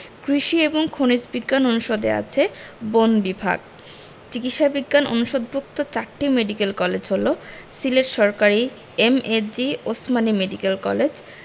কৃষি এবং খনিজ বিজ্ঞান অনুষদে আছে বন বিভাগ চিকিৎসা বিজ্ঞান অনুষদভুক্ত চারটি মেডিকেল কলেজ হলো সিলেট সরকারি এমএজি ওসমানী মেডিকেল কলেজ